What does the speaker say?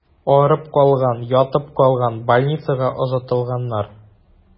Арып калган, ятып калган, больницага озатылганнар.